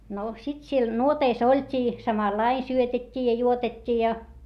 no sitten siellä nuoteissa oltiin samalla lailla syötettiin ja juotettiin ja